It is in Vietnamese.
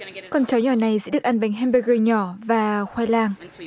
con chó nhỏ này sẽ được ăn bánh hem bơ gơ nhỏ và khoai lang